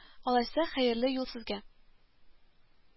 Алайса, хәерле юл сезгә